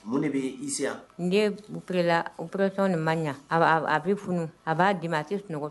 Mun de bɛi npurlapurre ni man ɲɛ a bɛ funu a b'a di ma a tɛ sunɔgɔ